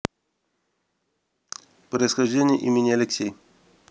происхождение имени алексей